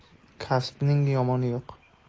kasbning yomoni yo'q